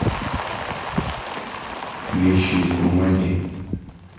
вещи из бумаги